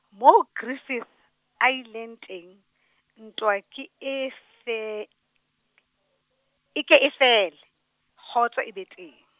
moo Griffith a ileng teng, ntwa ke e fe , e ke e fele, kgotso e be teng.